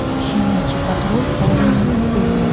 щенячий патруль полными сериями